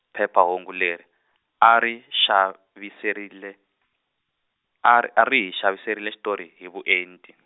phephahungu leri, a ri, xaviserile, a r- a ri hi xaviserile xitori hi vuenti.